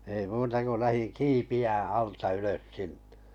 ei muuta kuin lähdin kiipeämään alta ylös sinne